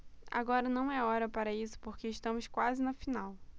agora não é hora para isso porque estamos quase na final